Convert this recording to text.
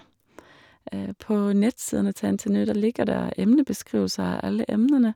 På nettsidene til NTNU, der ligger det emnebeskrivelser av alle emnene.